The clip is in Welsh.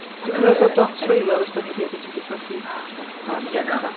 Dwi'm yn meddwl bod o'n spoiler os dan ni'n deud bod hi 'di colli mab yn Affganistan.